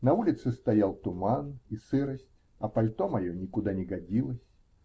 На улице стоял туман и сырость, а пальто мое никуда не годилось.